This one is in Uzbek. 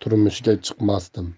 turmushga chiqmasdim